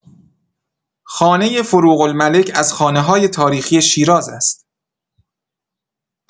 خانه فروغ‌الملک از خانه‌های تاریخی شیراز است.